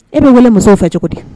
I b' masa fɛ cogo di